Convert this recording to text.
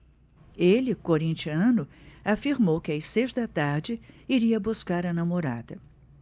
ele corintiano afirmou que às seis da tarde iria buscar a namorada